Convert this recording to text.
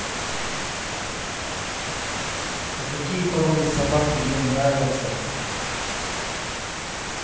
а какие породы собак тебе нравятся